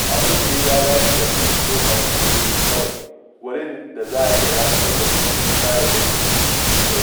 Abu ne da ya dace da mulkin sokwayen sojoji kawai, wurin da za a iya dakatar da kundin tsarin mulki cikin sauƙi…